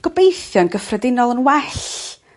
Gobeithio yn gyffredinol yn well.